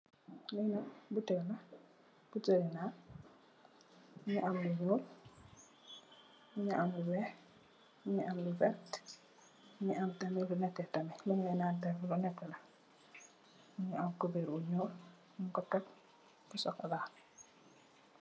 Lii nak buteel la, buteeli naan, mingi am lu nyuul, mingi am lu weex, mingi am lu verte, mingi an tamin lu nete tamit munge naan te benex la, mingi am kuber bu nyuul nyun ko teg fu sokola.